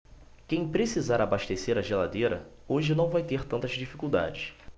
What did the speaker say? quem precisar abastecer a geladeira hoje não vai ter tantas dificuldades